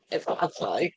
Efallai!